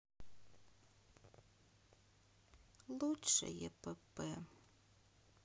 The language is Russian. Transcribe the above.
лучшее пп